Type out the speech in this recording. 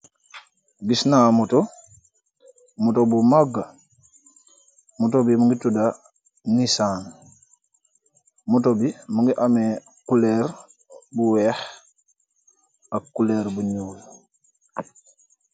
Gisnaa moto, Moto bu màgg. Moto bi mu ngi tudda nisaan. Moto bi mu ngi amee kuloor bu weex ak kuloor bu ñuul.